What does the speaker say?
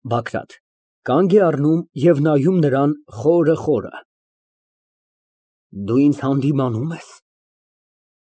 ԲԱԳՐԱՏ ֊ (Կանգ է առնում և նայում նրան խորը, խորը) Դու ինձ հանդիմանո՞ւմ ես։